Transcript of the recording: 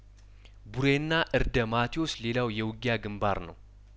ቡሬና እርደ ማቴዎስ ሌላው የውጊያ ግንባር ነው